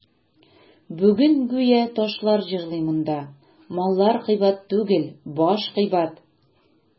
Бүген гүя ташлар җырлый монда: «Маллар кыйбат түгел, баш кыйбат».